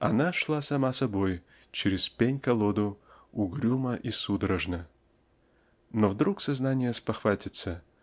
Она шла сама собою, через пень-колоду, угрюмо и судорожно. То вдруг сознание спохватится